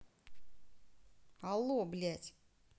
алло блядь